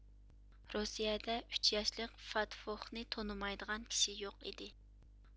رۇسىيەدە ئۈچ ياشلىق فاتغوقنى تونۇمايدىغان كىشى يوق ئىدى